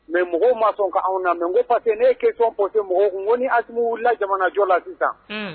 Mɛ mɔgɔw ma sɔn' anw na mɛ ko pa que ne ke pate mɔgɔw ko nimu wulila jamanajɔ la sisan